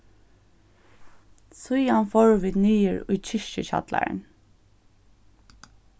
síðan fóru vit niður í kirkjukjallaran